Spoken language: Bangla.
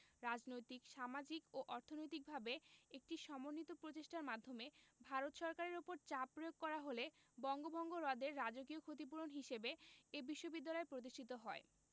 রাজনৈতিক সামাজিক ও অর্থনৈতিকভাবে একটি সমন্বিত প্রচেষ্টার মাধ্যমে ভারত সরকারের ওপর চাপ প্রয়োগ করা হলে বঙ্গভঙ্গ রদের রাজকীয় ক্ষতিপূরণ হিসেবে এ বিশ্ববিদ্যালয় প্রতিষ্ঠিত হয়